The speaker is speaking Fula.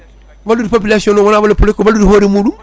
wallude population noon wona wallude *ko wallude hoore muɗum